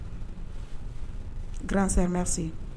Gansan se